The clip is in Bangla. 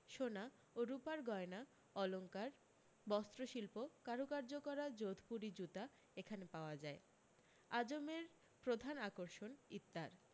সোনা ও রূপার গয়না অলংকার বস্ত্রশিল্প কারুকার্য করা জোধপুরি জুতা এখানে পাওয়া যায় আজমের প্রধান আকর্ষণ ইত্তার